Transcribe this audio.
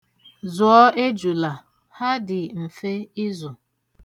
Zụọ ejula, ha dị mfe ịzụ.